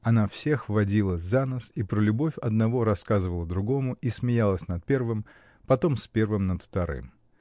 Она всех водила за нос и про любовь одного рассказывала другому и смеялась над первым, потом с первым над вторым.